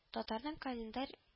Татарның календарь